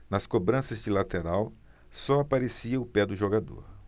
nas cobranças de lateral só aparecia o pé do jogador